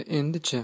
endi chi